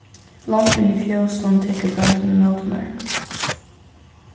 longri inni í fjósinum tekur bóndin ímóti mær